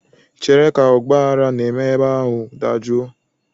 Chere ka ọgbaaghara na-eme ebe ahụ dajụọ.